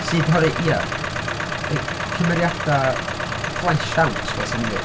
Sy'n rhoi ia, cymeriadau fleshed out fel sa ni'n ddweud.